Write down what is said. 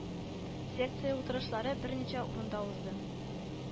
Секция утырышлары берничә урында узды